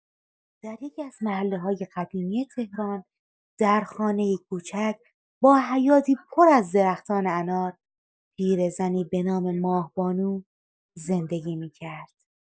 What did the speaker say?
در یکی‌از محله‌های قدیمی تهران، در خانه‌ای کوچک با حیاطی پر از درختان انار، پیرزنی به نام ماه‌بانو زندگی می‌کرد.